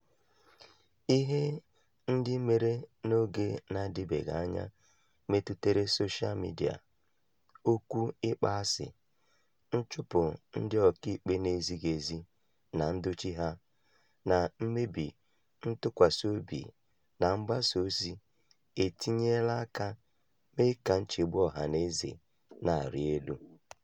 Ihe ndị mere n'oge na-adịbeghị anya metụtara soshaa midịa, okwu ịkpọasị, nchụpụ ndị ọka ikpe na-ezighị ezi na ndochi ha, na mmebi ntụkwasị obi na mgbasa ozi etinyeela aka mee ka nchegbu ọha na eze na-arị elu.